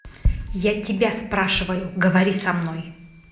я тебя спрашиваю говори со мной